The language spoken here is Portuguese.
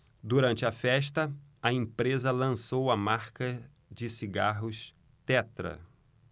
durante a festa a empresa lançou a marca de cigarros tetra